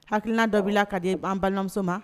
Hakilina dɔ bila ka di an balimamuso ma?